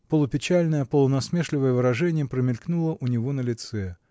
Полупечальное, полунасмешливое выражение промелькнуло у него на лице.